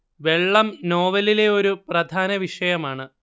വെള്ളം നോവലിലെ ഒരു പ്രധാന വിഷയമാണ്